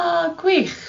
Ah gwych.